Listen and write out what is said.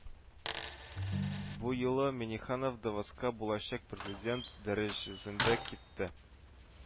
Бу юлы Миңнеханов Давоска булачак президент дәрәҗәсендә китте